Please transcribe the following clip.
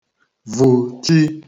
vùchi